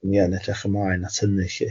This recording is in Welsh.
Dan ni yn edrych ymlaen at hynny lly.